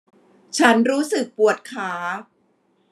ฉันรู้สึกปวดขา